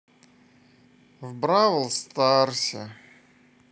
в бравл старсе